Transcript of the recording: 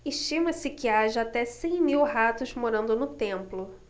estima-se que haja até cem mil ratos morando no templo